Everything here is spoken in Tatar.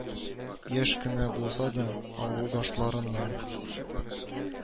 Яшь кенә булса да, авылдашларының